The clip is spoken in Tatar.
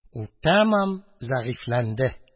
Ул тәмам зәгыйфьләнде.